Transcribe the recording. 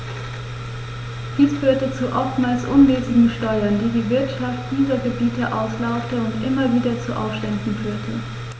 Dies führte zu oftmals unmäßigen Steuern, die die Wirtschaft dieser Gebiete auslaugte und immer wieder zu Aufständen führte.